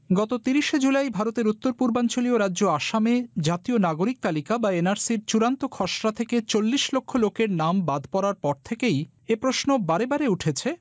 গত ৩০ শে জুলাই ভারতের উত্তর- পূর্বাঞ্চলীয় রাজ্য আসামে জাতীয় নাগরিক তালিকা বা এনআরসি র চূড়ান্ত খসড়া থেকে ৪০ লক্ষ লোকের নাম বাদ পড়ার পর থেকেই এ প্রশ্ন বারেবারে উঠেছে